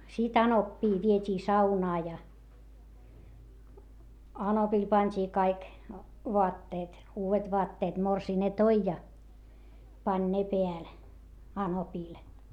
sitten anoppia vietiin saunaan ja anopille pantiin kaikki vaatteet uudet vaatteet morsian ne toi ja pani ne päälle anopille